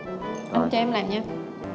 anh cho em làm nha